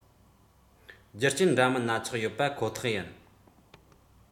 རྒྱུ རྐྱེན འདྲ མིན སྣ ཚོགས ཡོད པ ཁོ ཐག ཡིན